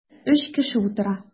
Өч кеше утыра.